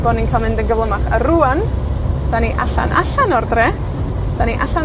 bo' ni'n ca'l mynd yn gyflymach. A rŵan, 'dan ni allan allan o'r dre. 'dan ni allan